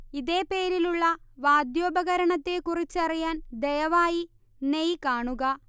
ഇതേ പേരിലുള്ള വാദ്യോപകരണത്തെക്കുറിച്ചറിയാൻ ദയവായി നെയ് കാണുക